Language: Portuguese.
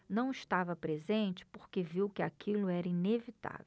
não estava presente porque viu que aquilo era inevitável